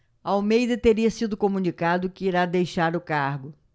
almeida teria sido comunicado que irá deixar o cargo